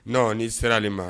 Nɔn ni serali ma